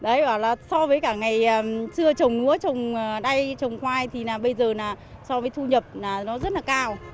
đấy bảo là so với cả ngày anh xưa trồng lúa trồng đay trồng khoai thì là bây giờ là so với thu nhập cao